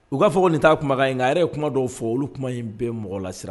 U k'a fɔ ko nin taa kumakan in nka yɛrɛ ye kuma dɔw fɔ olu kuma in bɛ mɔgɔ lasira